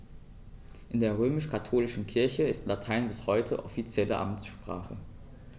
In der römisch-katholischen Kirche ist Latein bis heute offizielle Amtssprache.